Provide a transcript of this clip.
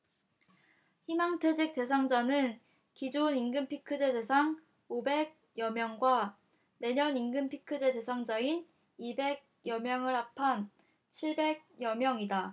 희망퇴직 대상자는 기존 임금피크제 대상 오백 여 명과 내년 임금피크제 대상자인 이백 여 명을 합한 칠백 여 명이다